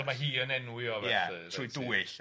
So ma' hi yn enwi o felly, reit ... Ia trwy dwyll...